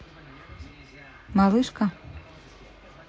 малышка